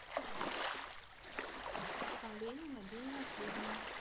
по ленина день рождения